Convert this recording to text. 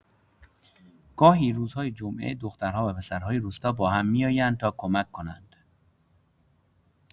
گاهی روزهای جمعه دخترها و پسرهای روستا با هم می‌آیند تا کمک کنند.